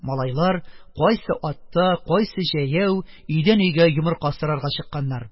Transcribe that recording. Малайлар, кайсы атта, кайсы җәяү, өйдән өйгә йомырка сорарга чыкканнар.